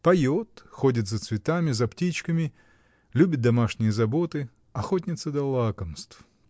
Поет, ходит за цветами, за птичками, любит домашние заботы, охотница до лакомств.